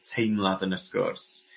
teimlad yn y sgwrs.